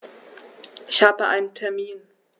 Ich habe einen Termin.